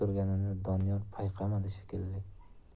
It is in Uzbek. doniyor payqamadi shekilli